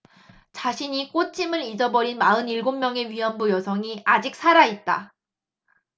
자신이 꽃임을 잊어버린 마흔 일곱 명의 위안부 여성이 아직 살아 있다